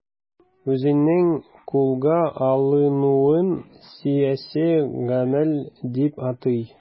Үзенең кулга алынуын сәяси гамәл дип атый.